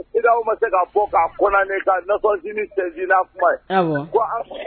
I ma se ka fɔ k'a kofɔ ni cɛinaa kuma ye